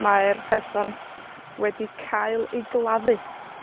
mae'r person wedi cael ei gladdu.